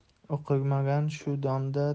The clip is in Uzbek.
o'qimagan shu damda